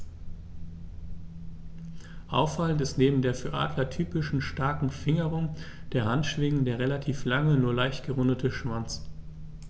Auffallend ist neben der für Adler typischen starken Fingerung der Handschwingen der relativ lange, nur leicht gerundete Schwanz.